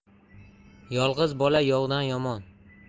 yolg'iz bola yovdan yomon